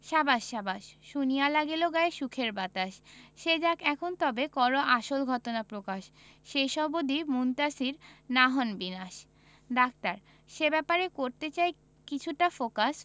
সাবাস সাবাস শুনিয়া লাগিল গায়ে সুখের বাতাস সে যাক এখন তবে করো আসল ঘটনা প্রকাশ শেষ অবধি মুনতাসীর না হন বিনাশ ডাক্তার সে ব্যাপারেই করতে চাই কিছুটা ফোকাস